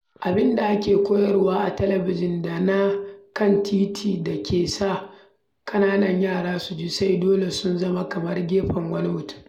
Abin da ake koyar wa a talabijin, da na kan titina, da ke sa ƙananan yara su ji sai dole sun zama kamar gefen wani mutum?